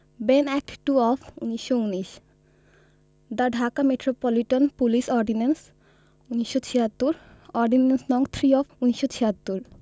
Ben. Act two of ১৯১৯ the Dhaka metropolitan police ordinance ১৯৭৬ ordinance. নং. Three of ১৯৭৬